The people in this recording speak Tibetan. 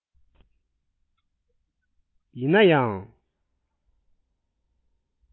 ཡིན ན ཡང